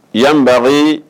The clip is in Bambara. Yanan nba ye